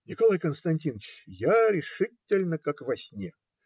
- Николай Константиныч, я решительно как во сне.